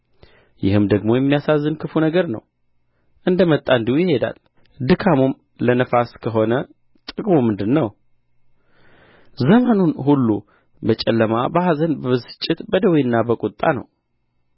ይህም ደግሞ የሚያሳዝን ክፉ ነገር ነው እንደ መጣ እንዲሁ ይሄዳል ድካሙም ለነፋስ ከሆነ ጥቅሙ ምንድር ነው ዘመኑን ሁሉ በጨለማ በኀዘን በብስጭት በደዌና በቍጣ ነው